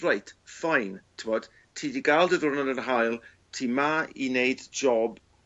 Reit, ffein. T'bod ti 'di ga'l dy ddiwrnod yn yr haul, ti 'ma i neud job